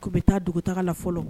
U bɛ taa dugutaa la fɔlɔ